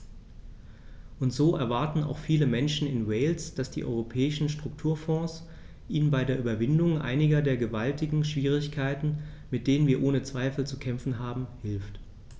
Und so erwarten auch viele Menschen in Wales, dass die Europäischen Strukturfonds ihnen bei der Überwindung einiger der gewaltigen Schwierigkeiten, mit denen wir ohne Zweifel zu kämpfen haben, hilft.